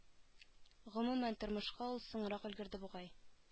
Гомумән тормышка ул соңрак өлгерде бугай